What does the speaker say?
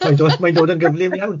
Mae'n dod mae'n dod yn gyflym iawn.